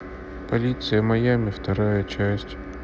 полиция майами вторая часть